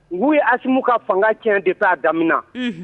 U'u ye asmu ka fanga tiɲɛ de t'a daminɛ